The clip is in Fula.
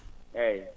eeyi